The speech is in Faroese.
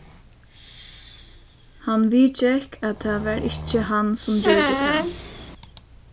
hann viðgekk at tað var ikki hann sum gjørdi tað